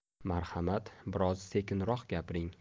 marhamat biroz sekinroq gapiring